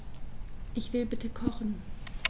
Ich will bitte kochen.